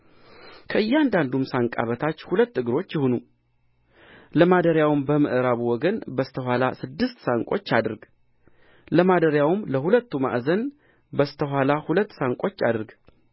ከእያንዳንዱም ሳንቃ በታች ሁለት እግሮች ይሁኑ ለማደሪያውም በምዕራቡ ወገን በስተ ኋላ ስድስት ሳንቆችን አድርግ ለማደሪያውም ለሁለቱ ማዕዘን በስተ ኋላ ሁለት ሳንቆችን አድርግ